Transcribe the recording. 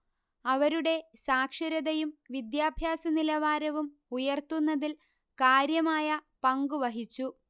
അവരുടെ സാക്ഷരതയും വിദ്യാഭ്യാസനിലവാരവും ഉയർത്തുന്നതിൽ കാര്യമായ പങ്കു വഹിച്ചു